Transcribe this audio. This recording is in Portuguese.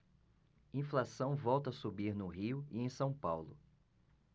inflação volta a subir no rio e em são paulo